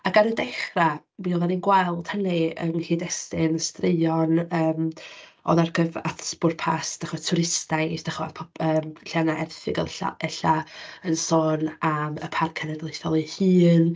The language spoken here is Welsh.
Ac ar y dechrau, mi oeddan ni'n gweld hynny yng nghyd-destun straeon yym oedd ar gyf-... at bwrpas, dach chibod, twristaidd, dach chibod po- yym, lle oedd 'na erthygl ella ella yn sôn am y Parc Cenedlaethol ei hun.